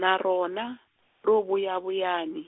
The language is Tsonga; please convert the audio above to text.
na rona, ro vuyavuyani.